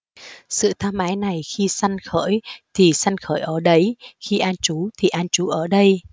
sự tham ái này khi sanh khởi thì sanh khởi ở đấy khi an trú thì an trú ở đây